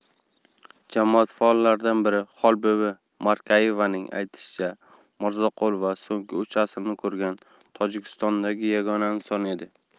jamoat faollaridan biri xolbibi markayevaning aytishicha mirzoqulova so'nggi uch asrni ko'rgan tojikistondagi yagona inson edi